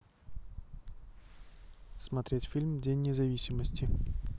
смотреть фильм день независимости